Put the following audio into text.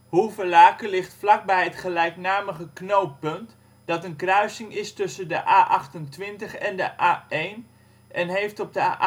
Hoevelaken ligt vlak bij het gelijknamige knooppunt, dat een kruising is tussen de A28 en de A1, en heeft op de A1